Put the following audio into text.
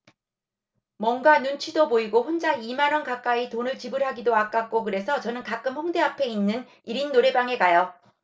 뭔가 눈치도 보이고 혼자 이 만 원 가까이 돈을 지불하기도 아깝고 그래서 저는 가끔 홍대앞에 있는 일 인 노래방에 가요